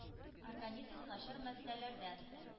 - организмны начар матдәләрдән